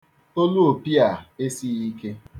Olu opi a esighi ike.